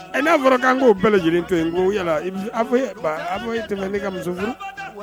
E n'a fɔra k'an k'o bɛɛ lajɛlen to ye nko yala i be se a fɔ i yɛ ba a fɔ i e tɛmɛ te ka muso furu